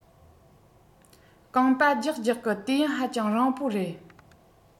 རྐང པ རྒྱག རྒྱག གི དུས ཡུན ཧ ཅང རིང པོ རེད